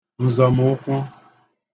ǹzọ̀mụkwụ